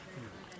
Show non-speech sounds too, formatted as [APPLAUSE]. [HESITATION] [HESITATION]